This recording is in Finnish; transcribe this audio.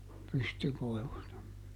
pystykoivusta